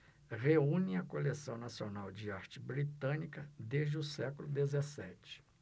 reúne a coleção nacional de arte britânica desde o século dezessete